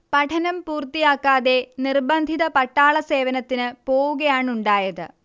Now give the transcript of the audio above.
പഠനം പൂർത്തിയാക്കാതെ നിർബദ്ധിത പട്ടാള സേവനത്തിന് പോവുകയാണുണ്ടായത്